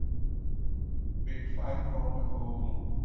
ปิดไฟตรงประตู